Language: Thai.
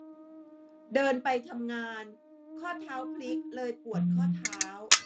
เดินไปทำงานข้อเท้าพลิกเลยปวดข้อเท้า